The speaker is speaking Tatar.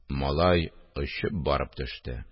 Малай очып барып төште